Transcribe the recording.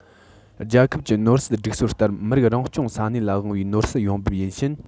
རྒྱལ ཁབ ཀྱི ནོར སྲིད སྒྲིག སྲོལ ལྟར མི རིགས རང སྐྱོང ས གནས ལ དབང བའི ནོར སྲིད ཡོང འབབ ཡིན ཕྱིན